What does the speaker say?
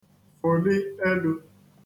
-fụ̀li elū